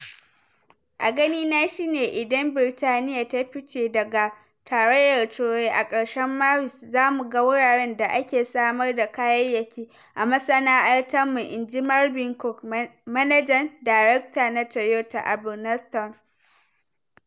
“A gani na shi ne idan Britaniya ta fice daga Tarayyar Turai a ƙarshen Maris za mu ga wuraren da ake samar da kayayyaki a masana'antarmu," in ji Marvin Cooke, Manajan Darakta na Toyota a Burnaston.